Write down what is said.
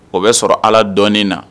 O bɛ sɔrɔ ala dɔɔnin na